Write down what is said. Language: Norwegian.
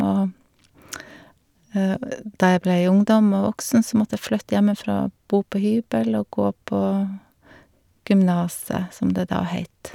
Og da jeg ble ungdom og voksen, så måtte jeg flytte hjemmefra og bo på hybel og gå på gymnaset, som det da het.